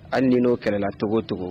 An ni n oo kɛra cogo cogo